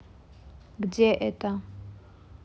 где это